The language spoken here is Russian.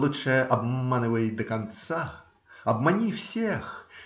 Лучше обманывай до конца, обмани всех.